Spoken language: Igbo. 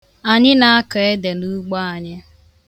Anyị na-akọ ede n' ugbo anyị.